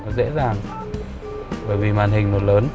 dễ dàng bởi vì màn hình nó lớn